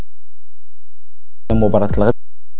مباراه